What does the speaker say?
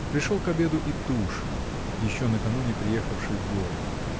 Пришел к обеду и Тушин, еще накануне приехавший в город.